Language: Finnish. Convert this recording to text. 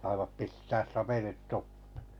saivat pistää sapelit tuppeen